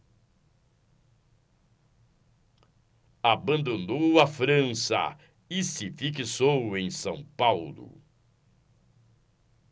abandonou a frança e se fixou em são paulo